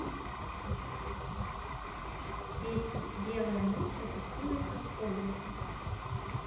песня белая ночь опустилась как облако